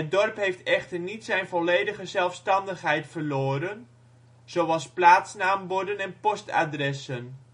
dorp heeft echter niet zijn volledige zelfstandigheid verloren, zoals plaatsnaamborden en postadressen